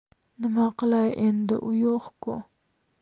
nima qilay endi u yo'q ku